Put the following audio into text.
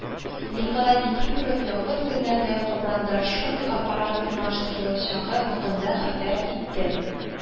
Николай Никифоров якын көннәрдә Казанда шундый аппарат урнаштырылачагы хакында хәбәр итте